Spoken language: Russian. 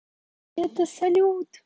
это салют